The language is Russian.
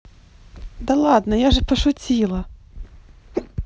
да ладно я же пошутила